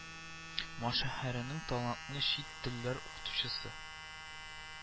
Ма шәһәренең талантлы чит телләр укытучысы